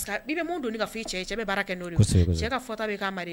I bɛ min doni ka fɔ i cɛ ye cɛ bɛ baara kɛ n'o de ye cɛ ka fɔta bɛ